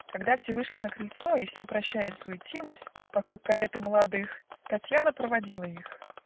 Когда все вышли на крыльцо, И все, прощаясь, суетилось Вокруг кареты молодых, Татьяна проводила их.